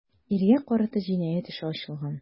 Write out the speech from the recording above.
Иргә карата җинаять эше ачылган.